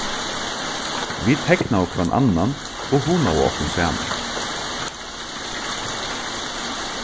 vit teknaðu hvønn annan og hugnaðu okkum saman